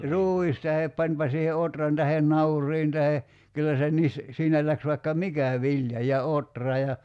ruis tai panipa siihen ohran tai nauriin tai kyllä se niin siinä lähti vaikka mikä vilja ja ohra ja